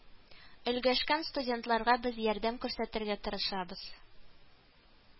Өлгәшкән студентларга без ярдәм күрсәтергә тырышабыз